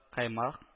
Каймак